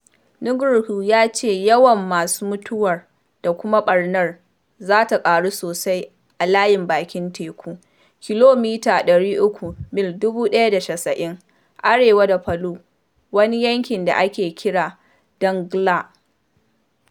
Nugroho ya ce yawan masu mutuwar da kuma ɓarnar zata ƙaru sosai a layin bakin teku kilomita 300 (mil 190) arewa da Palu, wani yanki da ake kira Donggala,